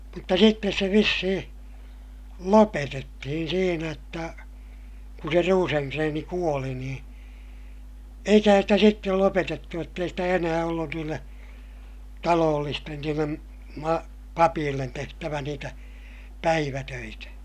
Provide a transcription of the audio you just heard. mutta sitten se vissiin lopetettiin siinä jotta kun se Rosengren kuoli niin eikähän sitä sitten lopetettu jotta ei sitä enää ollut niille talollisten niille - papeille tehtävä niitä päivätöitä